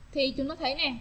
khi chúng nó thấy nè